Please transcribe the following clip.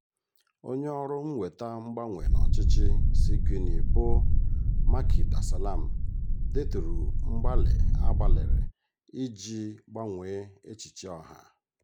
Onye ọrụ mweta mgbanwe n'ọchịchị si Guinea bụ Macky Darsalam deturu mgbali a gbalili iji gbanwee echiche ọha: